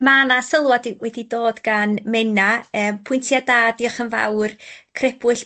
Ma' 'na sylwad i- wedi dod gan Menna, yym, pwyntie da, dioch yn fawr crebwll,